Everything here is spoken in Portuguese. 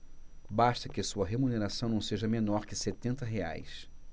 basta que sua remuneração não seja menor que setenta reais